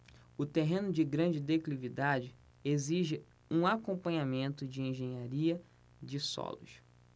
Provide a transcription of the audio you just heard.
o terreno de grande declividade exige um acompanhamento de engenharia de solos